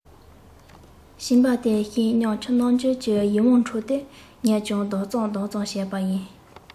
བྱིས པ དེའི ཞིམ ཉམས ཀྱི རྣམ འགྱུར གྱིས ཡིད དབང འཕྲོག སྟེ ངས ཀྱང ལྡག ཙམ ལྡག ཙམ བྱས པ ཡིན